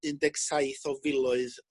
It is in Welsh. un deg saith o filoedd